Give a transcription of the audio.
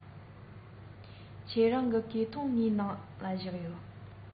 ཁྱེད རང གི གོས ཐུང ངའི ནང ལ བཞག ཡོད